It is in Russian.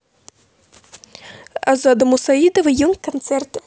азада мусаидова young концерты